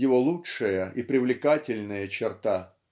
-- его лучшая и привлекательная черта.